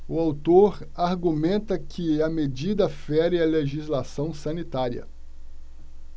o autor argumenta que a medida fere a legislação sanitária